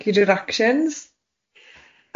Cyd o'r actions?